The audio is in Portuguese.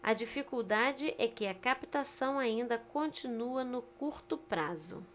a dificuldade é que a captação ainda continua no curto prazo